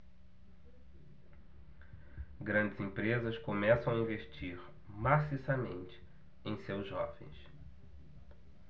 grandes empresas começam a investir maciçamente em seus jovens